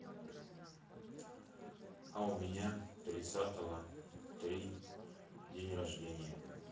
а у меня тридцатого три день рождения